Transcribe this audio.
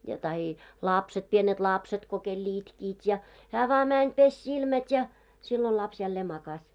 ja tahi lapset pienet lapset kun kenellä itkivät ja hän vain meni pesi silmät ja silloin lapsi jälleen makasi